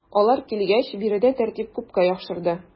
Алар килгәч биредә тәртип күпкә яхшырды.